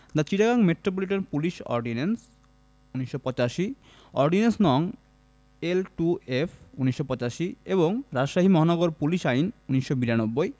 The Chittagong metropolitan police ordinance ১৯৮৫ অর্ডিন্যান্স. নং. L two of ১৯৮৫ এবং রাজশাহী মহানগরী পুলিশ আইন ১৯৯২